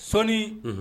Sɔɔni Un!